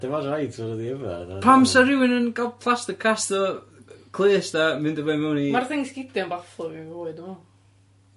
yym. Pam sa rywun ynga'l plaster cast o yy clust a mynd efo i mewn i... Ma'r thing sgidie yn bafflo fi yn fywy dwi me'wl.